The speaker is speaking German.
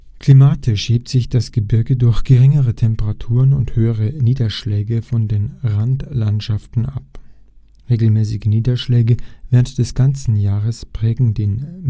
Klimatisch hebt sich das Gebirge durch geringere Temperaturen und höhere Niederschläge von den Randlandschaften ab. Regelmäßige Niederschläge während des ganzen Jahres prägen den